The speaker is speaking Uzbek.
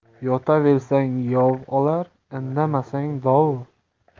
yotaversang yov olar indamasang dov